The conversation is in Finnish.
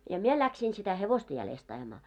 ja minä lähdin sitä hevosta jäljestä ajamaan